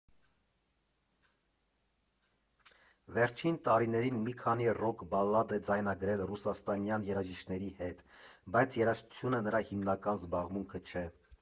Վերջին տարիներին մի քանի ռոք բալլադ է ձայնագրել ռուսաստանյան երաժիշտների հետ, բայց երաժշտությունը նրա հիմնական զբաղմունքը չէ։